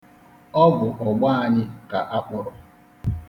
Ọ bụ ọgbọ anyị ka a kpọrọ.